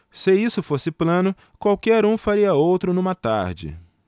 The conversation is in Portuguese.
se isso fosse plano qualquer um faria outro numa tarde